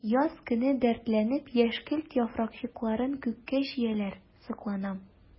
Яз көне дәртләнеп яшькелт яфракчыкларын күккә чөяләр— сокланам.